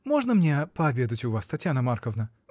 Можно мне пообедать у вас, Татьяна Марковна?